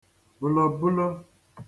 bùlòbulo